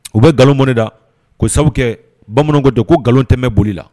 U bɛ nkalon mɔnda ko sabu kɛ bamananw ko don ko nkalon tɛmɛ boli la